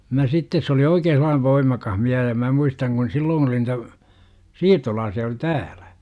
minä sitten se oli oikein sellainen voimakas mies ja minä muistan kun silloin oli niitä siirtolaisia oli täällä